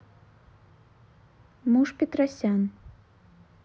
муж петросян